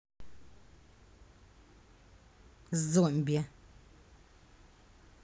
зомби